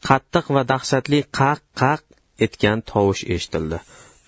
qattiq va dahshatli qaq qaq etgan tovush eshitildi